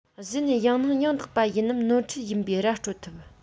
གཞི ནས ཡང སྙིང ཡང དག པ ཡིན ནམ ནོར འཁྲུལ ཡིན པའི ར སྤྲོད ཐུབ